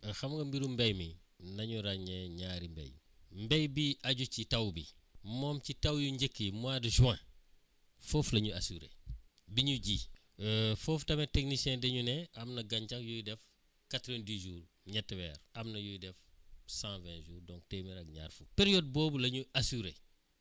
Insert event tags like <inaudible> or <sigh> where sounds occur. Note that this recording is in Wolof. xam nga mbirum mbéy mi nañu ràññee ñaari mbéy mbéy biy aju ci taw bi moom ci taw yu njëkk yi mois de juin foofu la ñu assurer bi ñuy ji <hesitation> foofu tamit techniciens dañuy ne am na gàncax yuy def 90 jours ñetti weer am na yuy def 120 jors donc :fa téeméer ak ñaar fukk période boobu la ñu assurer